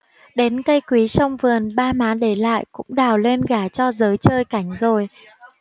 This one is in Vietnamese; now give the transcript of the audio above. đến cây quý trong vườn ba má để lại cũng đào lên gả cho giới chơi cảnh rồi